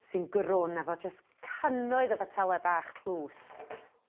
Sy'n grwn efo jyst cannoedd y betele bach tlws.